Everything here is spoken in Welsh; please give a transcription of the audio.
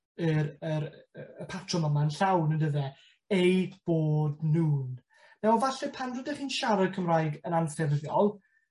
yr yr yy y patrwm yma'n llawn on'd yfe? Eu bod nwn. Nawr falle pan rydych chi'n siarad Cymraeg yn anffurfiol